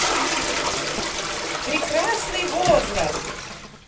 прекрасный возраст